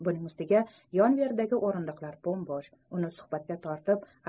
buning ustiga yon veridagi o'rindiqlar bo'm bo'sh uni suhbatga tortib